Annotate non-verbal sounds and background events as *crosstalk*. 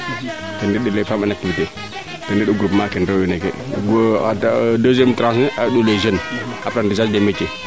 te ref *unintelligible* femme en activité ten rend'u groupement ke rew we neeke deuxieme tranche ne a reend u les jeunes apprentissage des metiers